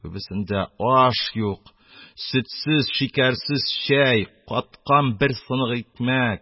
Күбесендә аш юк, сөтсез, шикәрсез чәй, каткан бер сынык икмәк